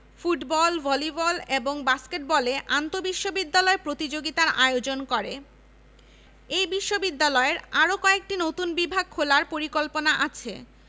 এছাড়া ইংরেজি জার্মান ফরাসি চীনা আরবি ও জাপানি ভাষা শেখানোর জন্য একটি আধুনিক ভাষা ইনস্টিটিউট নির্মাণাধীন রয়েছে